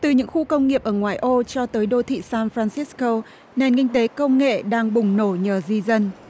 từ những khu công nghiệp ở ngoại ô cho tới đô thị san phan sít câu nền kinh tế công nghệ đang bùng nổ nhờ di dân